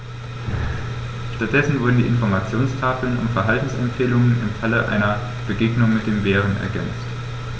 Stattdessen wurden die Informationstafeln um Verhaltensempfehlungen im Falle einer Begegnung mit dem Bären ergänzt.